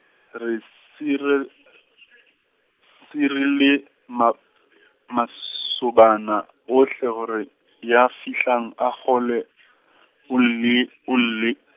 re sire- , sirele, ma- mas- -sobana ohle hore ya fihlang a kgolwe, o ile o ile.